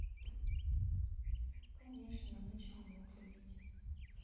конечно иначе не мог любить